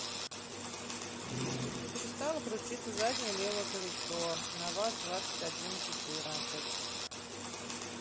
перестала крутиться заднее левое колесо на ваз двадцать один четырнадцать